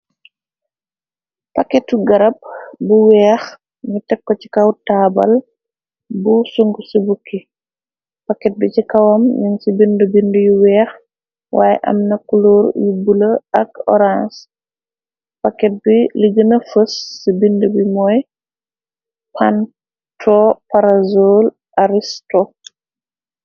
Paketu garab bu weex ni tekko ci kaw taabal bu sung ci bukki paket bi. Ci kawam nin ci bind bind yu weex waaye am na kuluur yu bula ak orange. Pakket bi li gëna fos ci bind bi mooy pantoparazol aristo.